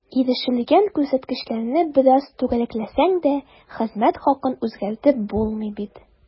Ирешелгән күрсәткечләрне бераз “түгәрәкләсәң” дә, хезмәт хакын үзгәртеп булмый бит.